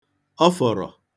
ọfọ̀rọ̀